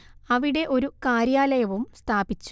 അവിടെ ഒരു കാര്യാലയവും സ്ഥാപിച്ചു